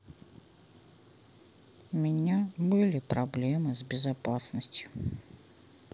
у меня были проблемы с безопасностью